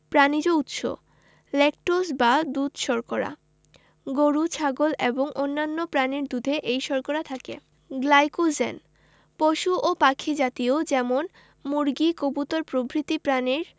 প্রানিজ উৎস ল্যাকটোজ বা দুধ শর্করা গরু ছাগল এবং অন্যান্য প্রাণীর দুধে এই শর্করা থাকে গ্লাইকোজেন পশু ও পাখি জাতীয় যেমন মুরগি কবুতর প্রভৃতি প্রাণীর